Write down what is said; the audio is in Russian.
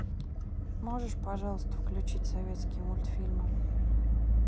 можешь пожалуйста включить советские мультфильмы